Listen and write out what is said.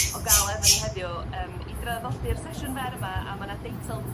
o ga'l efon ni heddiw yym i draddodi'r sesiwn fer 'ma a ma' 'na deitl